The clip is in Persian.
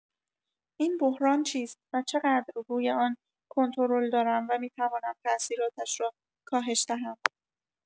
این بحران چیست و چقدر روی آن کنترل دارم و می‌توانم ثاثیراتش را کاهش دهم؟